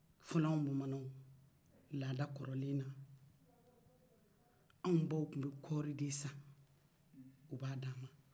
fɔlɔ anw bamananw laada kɔrɔlen na anw baw tun bɛ kɔɔri de san o b'a d'an man